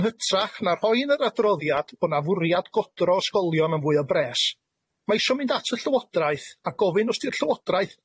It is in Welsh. Yn hytrach na rhoi yn yr adroddiad bo' 'na fwriad godro ysgolion am fwy o bres, ma' isio mynd at y Llywodraeth a gofyn os 'di'r Llywodraeth